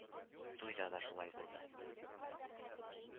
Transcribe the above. Туйда да шулай булды